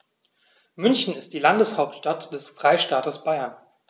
München ist die Landeshauptstadt des Freistaates Bayern.